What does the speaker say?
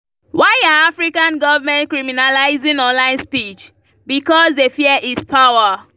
Why are African governments criminalising online speech? Because they fear its power.